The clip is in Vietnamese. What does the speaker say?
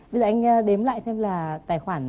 bây giờ anh đếm lại xem là tài khoản